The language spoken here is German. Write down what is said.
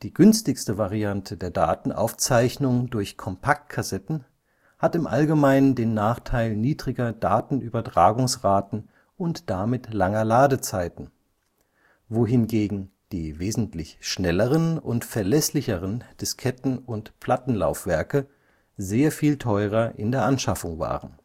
günstigste Variante der Datenaufzeichnung durch Kompaktkassetten hat im Allgemeinen den Nachteil niedriger Datenübertragungsraten und damit langer Ladezeiten, wohingegen die wesentlich schnelleren und verlässlicheren Disketten - und Plattenlaufwerke sehr viel teurer in der Anschaffung waren